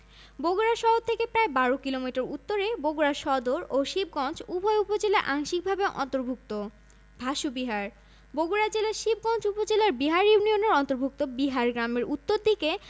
বগুড়া শহর থেকে প্রায় ১২ কিলোমিটার উত্তরে বগুড়া সদর ও শিবগঞ্জ উভয় উপজেলায় আংশিকভাবে অন্তর্ভুক্ত ভাসু বিহার বগুড়া জেলার শিবগঞ্জ উপজেলার বিহার ইউনিয়নের অন্তর্ভুক্ত বিহার গ্রামের উত্তর দিকে